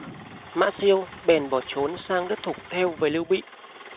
mã siêu bèn bỏ trốn sang đất thục theo về lưu bị